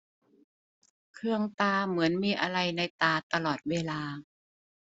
เคืองตาเหมือนมีอะไรในตาตลอดเวลา